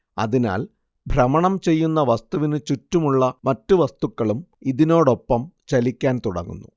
അതിനാൽ ഭ്രമണം ചെയ്യുന്ന വസ്തുവിനു ചുറ്റുമുള്ള മറ്റു വസ്തുക്കളും ഇതിനോടൊപ്പം ചലിക്കാൻ തുടങ്ങുന്നു